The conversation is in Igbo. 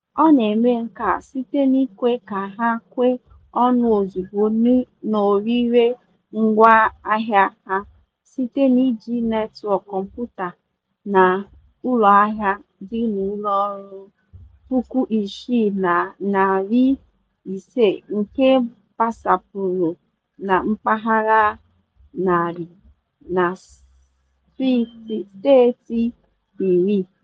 Ọ na-eme nke a site n'ikwe ka ha kwe ọnụ ozugbo n'orire ngwaahịa ha site n'iji netwọk kọmputa na ụlọahịa dị n'ụlọọrụ 6500 nke gbasapuru na mpaghara 100 na steeti 10.